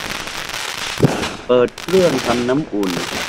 เปิดเครื่องทำน้ำอุ่น